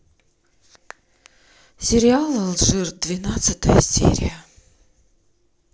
сериал алжир двенадцатая серия